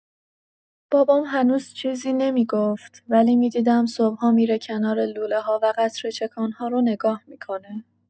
بابام هنوز چیزی نمی‌گفت، ولی می‌دیدم صبح‌ها می‌ره کنار لوله‌ها و قطره‌چکان‌ها رو نگاه می‌کنه.